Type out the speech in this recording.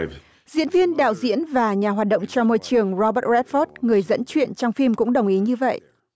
diễn viên đạo diễn và nhà hoạt động cho môi trường ro bớt cét phoóc người dẫn chuyện trong phim cũng đồng ý như vậy